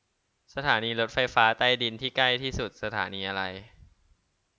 สถานีรถไฟฟ้าใต้ดินที่ใกล้ที่สุดสถานีอะไร